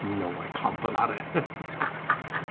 No, I can't put that in!